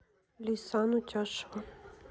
лейсан утяшева